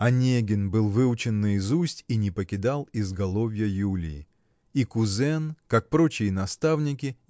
Онегин был выучен наизусть и не покидал изголовья Юлии. И кузен как прочие наставники